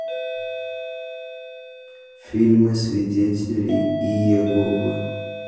фильмы свидетелей иеговы